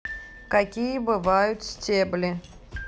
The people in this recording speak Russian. какие бывают стебли